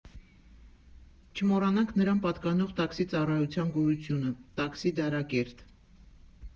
Չմոռանանք նրան պատկանող տաքսի ծառայության գոյությունը՝ «Տաքսի Դարակերտ»։